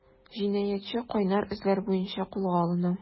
Җинаятьче “кайнар эзләр” буенча кулга алына.